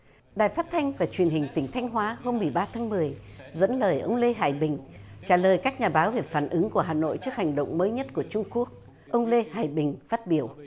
đài phát thanh và truyền hình tỉnh thanh hóa không nghỉ ba tháng mười dẫn lời ông lê hải bình trả lời các nhà báo về phản ứng của hà nội trước hành động mới nhất của trung quốc ông lê hải bình phát biểu